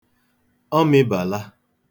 Ọ mịbala.